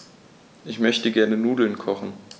Ich möchte gerne Nudeln kochen.